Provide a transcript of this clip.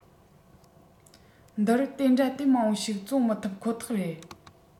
འདིར དེ འདྲ དེབ མང པོ ཞིག བཙོང མི ཐུབ ཁོ ཐག རེད